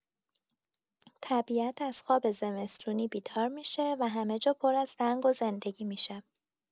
طبیعت از خواب زمستونی بیدار می‌شه و همه جا پر از رنگ و زندگی می‌شه.